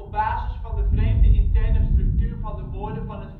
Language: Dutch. basis van de vreemde interne structuur van de woorden van het